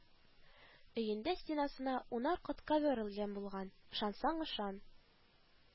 Өендә стенасына унар кат ковер элгән булган, ышансаң ышан,